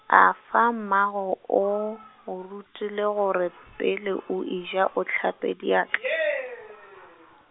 afa mmago, o go rutile gore pele o eja o hlape diatla?